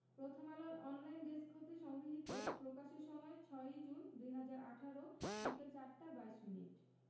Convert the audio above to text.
প্রথমআলোর online desk হতে সংগৃহীত প্রকাশের সময় ৬জুন ২০১৮ বিকেল ৪টা ২২ মিনিট